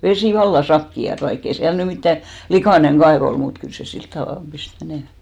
vesi vallan sakeaa vaikka ei siellä nyt mitään likainen kaivo oli mutta kyllä se sillä tavalla pisti menemään